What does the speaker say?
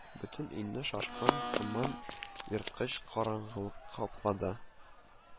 Бөтен өйне шашкан томан, ерткыч караңгылык каплады